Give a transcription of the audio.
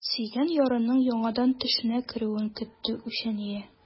Сөйгән ярының яңадан төшенә керүен көтте үчәния.